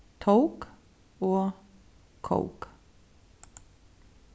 tók og kók